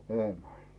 Eemeli